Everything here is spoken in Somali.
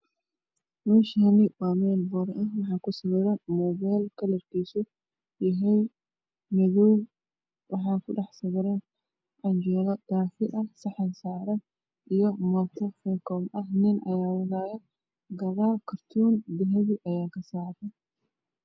Meeshaani waa meel boor ah waxaa ku sawiran mobile kalarkiisu yahay madow waxaa ku dhex sawiran canjeero daafi ah saxan saaran iyo mooto faykoon ah nin ayaa wadaayo kadaal kartoon dahabi ayaa ka saaran